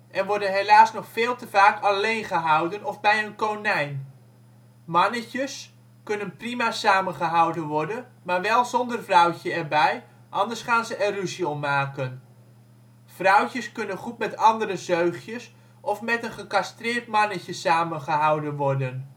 en worden helaas nog veel te vaak alleen gehouden of bij een konijn. Mannetjes (beertjes) kunnen prima samen gehouden worden, maar wel zonder vrouwtje erbij, anders gaan ze er ruzie om maken. Vrouwtjes kunnen goed met andere zeugjes of met een (gecastreerd) mannetje samen gehouden worden